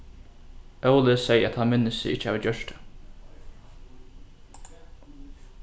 óli segði at hann minnist seg ikki hava gjørt tað